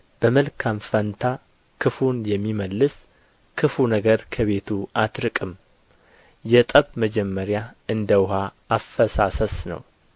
በመልካም ፋንታ ክፉን የሚመልስ ክፉ ነገር ከቤቱ አትርቅም የጠብ መጀመሪያ እንደ ውኃ አፈሳሰስ ነው